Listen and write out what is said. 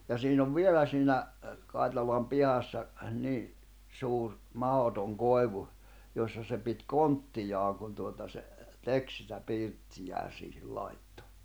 ja siinä on vielä siinä Kaitalan pihassa niin suuri mahdoton koivu jossa se piti konttiaan kun tuota se teki sitä pirttiään siihen laittoi